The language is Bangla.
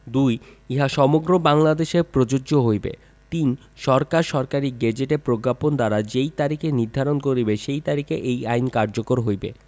২ ইহা সমগ্র বাংলাদেশে প্রযোজ্য হইবে ৩ সরকার সরকারী গেজেটে প্রজ্ঞাপন দ্বারা যেই তারিখ নির্ধারণ করিবে সেই তারিখে এই আইন কার্যকর হইবে